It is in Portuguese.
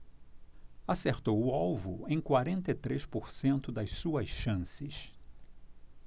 acertou o alvo em quarenta e três por cento das suas chances